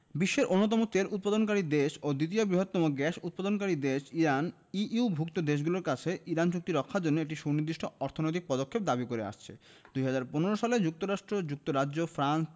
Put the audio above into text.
বিশ্বের অন্যতম তেল উৎপাদনকারী দেশ ও দ্বিতীয় বৃহত্তম গ্যাস উৎপাদনকারী দেশ ইরান ইইউভুক্ত দেশগুলোর কাছে ইরান চুক্তি রক্ষার জন্য একটি সুনির্দিষ্ট অর্থনৈতিক পদক্ষেপ দাবি করে আসছে ২০১৫ সালে যুক্তরাষ্ট্র যুক্তরাজ্য ফ্রান্স